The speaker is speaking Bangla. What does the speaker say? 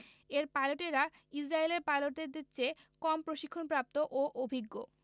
এর পাইলটেরা ইসরায়েলের পাইলটদের চেয়ে কম প্রশিক্ষণপ্রাপ্ত ও অভিজ্ঞ